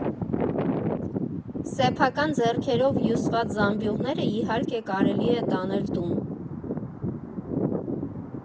Սեփական ձեռքերով հյուսված զամբյուղները, իհարկե, կարելի է տանել տուն։